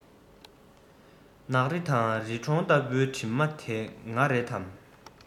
ནགས རི དང རི གྲོང ལྟ བུའི གྲིབ མ དེ ང རེད དམ